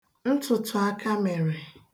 ntụ̀tụ̀akamèrè